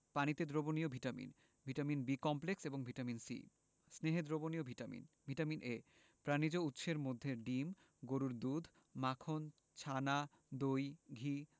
পানিতে দ্রবণীয় vitamin vitamin B complex এবং ভিটামিন সি স্নেহে দ্রবণীয় ভিটামিন ভিটামিন এ প্রাণিজ উৎসের মধ্যে ডিম গরুর দুধ মাখন ছানা দই ঘি